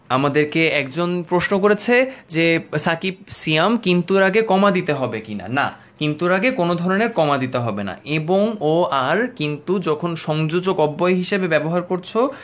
আমাদেরকে একজন প্রশ্ন করেছে যে সাকিব সিয়াম কিন্তুর আগে কমা দিতে হবে কিনা না কিন্তুর আগে কোন ধরনের কমা দিতে হবে না এবং ও আর কিন্তু যখন সংযোজক অব্যয় হিসেবে ব্যবহার করছ